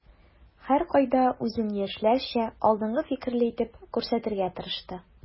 Һәркайда үзен яшьләрчә, алдынгы фикерле итеп күрсәтергә тырышты.